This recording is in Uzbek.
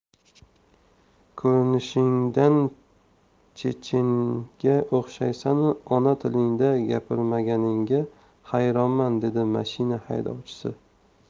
ko'rinishingdan chechenga o'xshaysanu ona tilingda gapirmaganingga hayronman dedi mashina haydovchisi